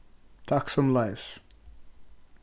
takk somuleiðis